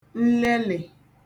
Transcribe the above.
nlelị̀